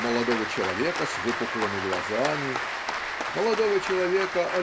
молодого человека с выпуклыми глазами молодого человека